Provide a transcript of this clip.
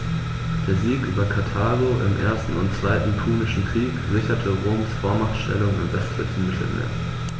Der Sieg über Karthago im 1. und 2. Punischen Krieg sicherte Roms Vormachtstellung im westlichen Mittelmeer.